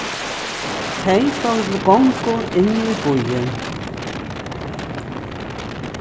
tey fóru til gongu inn í býin